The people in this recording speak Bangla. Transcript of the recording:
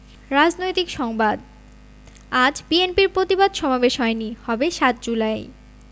রাজনৈতিক সংবাদ আজ বিএনপির প্রতিবাদ সমাবেশ হয়নি হবে ৭ জুলাই